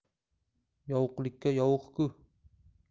yovuqlikka yovuq ku